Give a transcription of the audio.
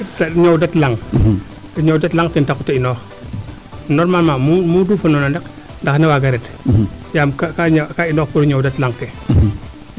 ñoowdat laŋ ñoowdat laŋ ten tax te inoox normalement mu duufa noona rek ndaxar ne waaga ret yaam ka inoox pour a ñoowdat laŋ ke